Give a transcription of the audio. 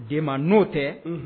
Den ma n'o tɛ